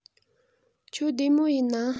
ཁྱོད བདེ མོ ཡིན ན